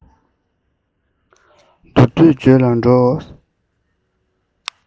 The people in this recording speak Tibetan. མདོར བསྡུས བརྗོད ལ སྤྲོ